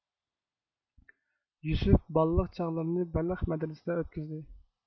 يۈسۈپ بالىلىق چاغلىرىنى بەلخ مەدرىسىدە ئۆتكۈزدى